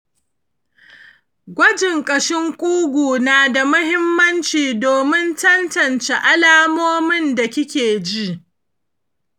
gwajin kashin kugu nada mahimmanci donin tantance alamomin da kikeji.